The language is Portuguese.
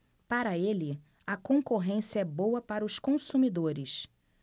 para ele a concorrência é boa para os consumidores